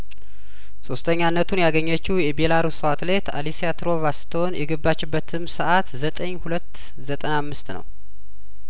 ሶስተኛ ነቱን ያገኘችው የቤላሩሷ አትሌት አሊ ሲያትሮቫ ስትሆን የገባችበትም ሰአት ዘጠኝ ሁለት ዘጠና አምስት ነው